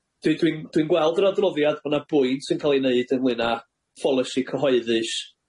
Dwi dwi'n dwi'n gweld o'r adroddiad bo' 'na bwynt yn ca'l 'i neud ynglŷn â pholisi cyhoeddus,